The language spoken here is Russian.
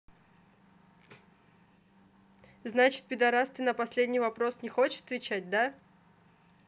значит пидорасты на последний вопрос не хочешь отвечать да